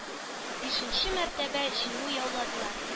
Бишенче мәртәбә җиңү яуладылар